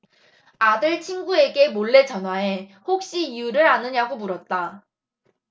아들 친구에게 몰래 전화해 혹시 이유를 아느냐고 물었다